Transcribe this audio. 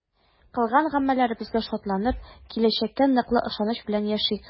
Кылган гамәлләребезгә шатланып, киләчәккә ныклы ышаныч белән яшик!